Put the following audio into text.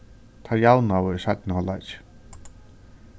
teir javnaðu í seinna hálvleiki